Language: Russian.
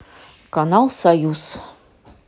канал союз